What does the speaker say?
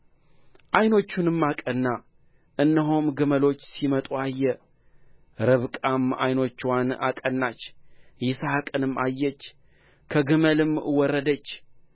ዓይኖቹንም አቀና እነሆም ግመሎች ሲመጡ አየ ርብቃም ዓይኖችዋን አቀናች ይስሐቅንም አየች ከግመልም ወረደች